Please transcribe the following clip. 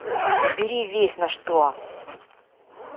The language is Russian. убери весь на что